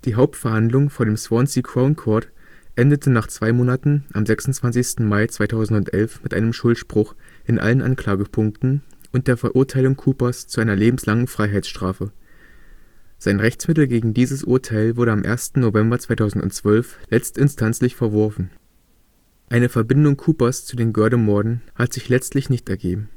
Hauptverhandlung vor dem Swansea Crown Court endete nach zwei Monaten am 26. Mai 2011 mit einem Schuldspruch in allen Anklagepunkten und der Verurteilung Coopers zu einer lebenslangen Freiheitsstrafe. Sein Rechtsmittel gegen dieses Urteil wurde am 1. November 2012 letztinstanzlich verworfen. Eine Verbindung Coopers zu den Göhrde-Morden hat sich letztlich nicht ergeben